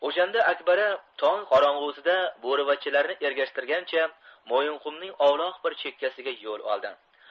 o'shanda akbara tong qorong'usida bo'rivachchalarni ergashtirgancha mo'yinqumning ovloq bir chekkasiga yo'l oldi